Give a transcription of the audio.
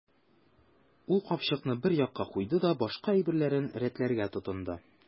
Ул капчыкны бер якка куйды да башка әйберләрен рәтләргә тотынды.